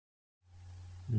noiloj mana shu